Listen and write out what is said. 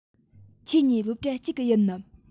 ཁྱེད གཉིས སློབ གྲྭ གཅིག གི ཡིན ནམ